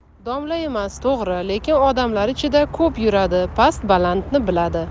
domla emas to'g'ri lekin odamlar ichida ko'p yuradi past balandni biladi